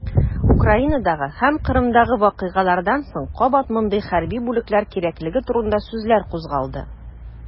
Украинадагы һәм Кырымдагы вакыйгалардан соң кабат мондый хәрби бүлекләр кирәклеге турында сүзләр кузгалды.